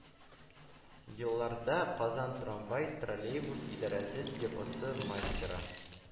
Елларда – казан трамвай -троллейбус идарәсе депосы мастеры